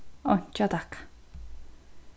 einki at takka